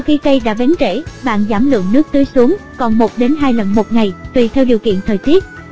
sau khi cây đã bén rễ bạn giảm lượng nước tưới xuống còn lần ngày tuỳ theo điều kiện thời tiết